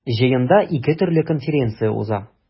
Җыенда ике төрле конференция уза.